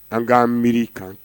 An k'an mi kan